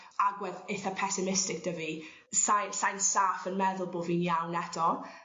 agwedd itha pessimistic 'dy fi sai sai'n saff yn meddwl bo' fi'n iawn eto